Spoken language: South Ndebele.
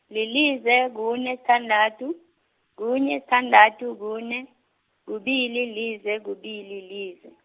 lilize, kune, sithandathu, kunye, sithandathu, kune, kubili, lize, kubili, lize.